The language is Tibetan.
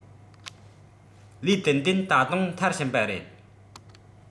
ལས ཏན ཏན ད དུང མཐར ཕྱིན པ རེད